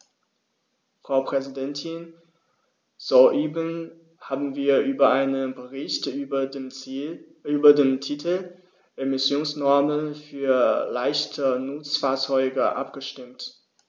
Frau Präsidentin, soeben haben wir über einen Bericht mit dem Titel "Emissionsnormen für leichte Nutzfahrzeuge" abgestimmt.